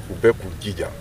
U bɛ k'u jija